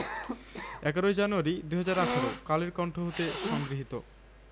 ১১ January ২০১৮ Kaler Kantha হতে সংগৃহীত